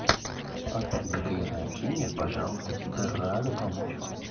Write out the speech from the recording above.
спасибо за приятное общение пожалуйста всегда рада помочь вам